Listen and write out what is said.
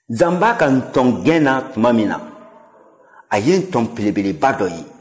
zan b'a ka ntɔngɛn na tuma min na a ye ntɔn belebeleba dɔ ye